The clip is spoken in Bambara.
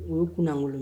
U ye kun'an wolo